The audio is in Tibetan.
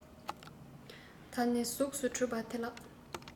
ད ནི གཟུགས སུ གྲུབ པ འདི ལགས